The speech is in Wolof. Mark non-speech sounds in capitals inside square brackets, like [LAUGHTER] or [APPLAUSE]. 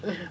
[HESITATION] [HESITATION]